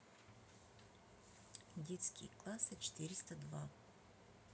детский класса четыреста два